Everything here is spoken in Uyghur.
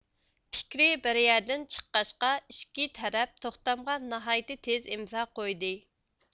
پىكرى بىر يەردىن چىققاچقا ئىككى تەرەپ توختامغا ناھايىتى تېز ئىمزا قويدى